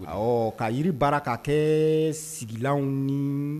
Awɔ ka yiri baara ka kɛ sigilanw ni